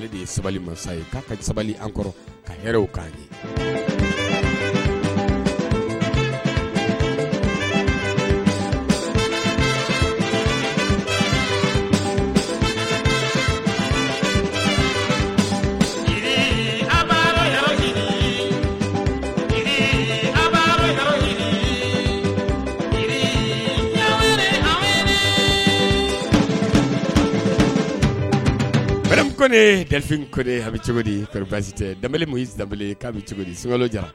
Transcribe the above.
Sabali kɔrɔ ka ko da kɔni a bɛ cogo tɛ da mu da' bɛ cogo